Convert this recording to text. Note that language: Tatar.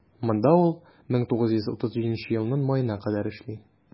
Монда ул 1937 елның маена кадәр эшли.